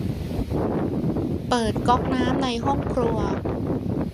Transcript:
เปิดก๊อกน้ำในห้องครัว